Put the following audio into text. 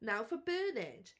now for Burnage.